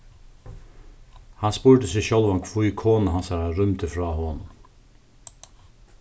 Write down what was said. hann spurdi seg sjálvan hví kona hansara rýmdi frá honum